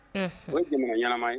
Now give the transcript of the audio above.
Unhun, o ye jamana ɲɛnama ye